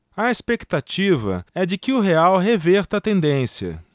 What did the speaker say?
a expectativa é de que o real reverta a tendência